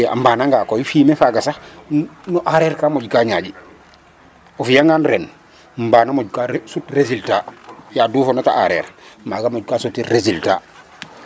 II a mbaananga koy fumier faaga sax no aareer kaa moƴka ñaƴ a fi'angaan ren mbaan moƴka sut résultat ya duufoona ta a aareer maaga moƴka sutit résultat.